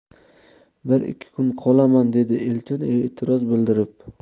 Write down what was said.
bir ikki kun qolaman dedi elchin e'tiroz bildirib